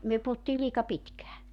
me puhuttiin liika pitkään